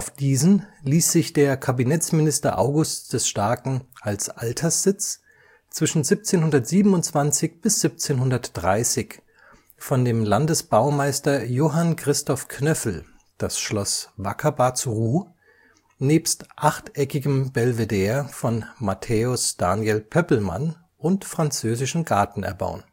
diesen ließ sich der Kabinettsminister Augusts des Starken als Alterssitz zwischen 1727 bis 1730 von dem Landesbaumeister Johann Christoph Knöffel das Schloss Wackerbarths Ruh’ nebst achteckigem Belvedere von Matthäus Daniel Pöppelmann und Französischem Garten erbauen